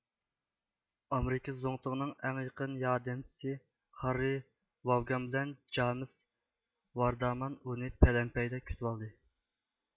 ئامېرىكا زۇڭتۇڭىنىڭ ئەڭ يېقىن ياردەمچىسى خاررى ۋاۋگان بىلەن جامېس ۋاردامان ئۇنى پەلەمپەيدە كۈتۈۋالدى